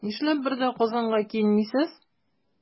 Нишләп бер дә Казанга килмисез?